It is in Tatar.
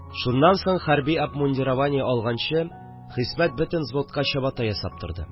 Шуннан соң, хәрби обмундирование алганчы, Хисмәт бөтен взводка чабата ясап торды